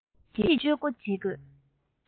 དབྱེ ཞིག ཀྱི དཔྱོད སྒོ འབྱེད དགོས